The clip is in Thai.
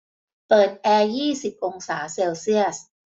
เปิดแอร์ยี่สิบองศาเซลเซียส